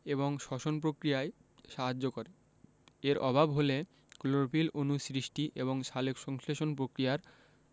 এবং শ্বসন প্রক্রিয়ায় সাহায্য করে এর অভাব হলে ক্লোরোফিল অণু সৃষ্টি এবং সালোকসংশ্লেষণ প্রক্রিয়ায়